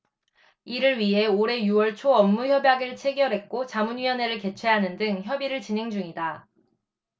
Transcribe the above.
이를 위해 올해 유 월 초 업무협약을 체결했고 자문위원회를 개최하는 등 협의를 진행 중이다